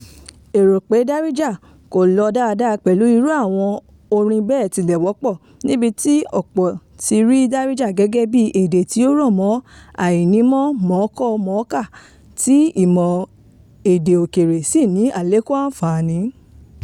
Èrò pé Darija kò lọ dáadáa pẹ̀lú irú àwọn orin bẹ́ẹ̀ tilẹ̀ wọ́pọ̀ níbi tí ọ̀pọ̀ ti rí Darija gẹ́gẹ́ bíi èdè tí ó rọ̀ mọ́ àìnímọ̀ mọ̀ọ́kọ-mọ̀ọ́kà, tí ìmọ̀ èdè òkèèrè sì ní àlékún àǹfààní.